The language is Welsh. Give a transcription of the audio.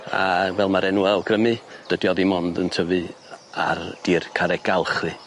A fel ma'r enw awgrymu dydi o ddim ond yn tyfu a- ar dir carreg galch 'lly.